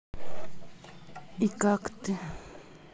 и как ты